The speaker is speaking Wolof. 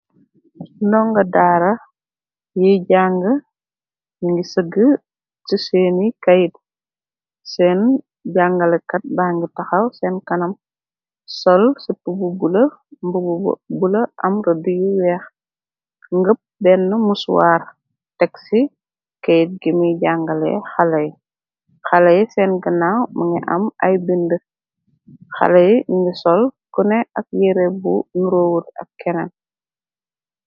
Ndonga daara yi jànge, ñu ngi sëgg ci seeni kayit, seen jàngalakat bàng taxaw seen kanam, sol sipu bu bula, mbubu bula am rëdu yu weex, ngëp benne muswaar teg si kayit gimiy jàngale xale yi, xale yi seen ganaaw mingi am ay binde, xale yi ñingi sol ko ne ak yere bu nuroowut ak kenen.